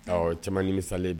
Ɔ cɛman ni misalen